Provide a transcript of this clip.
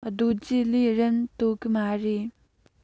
རྡོ རྗེ ལས རིམ དོ གུ མ རེད